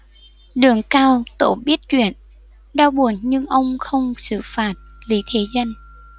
đường cao tổ biết chuyện đau buồn nhưng ông không xử phạt lý thế dân